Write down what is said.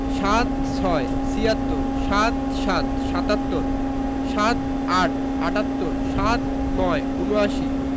৭৬ ছিয়াত্তর ৭৭ সাত্তর ৭৮ আটাত্তর ৭৯ উনআশি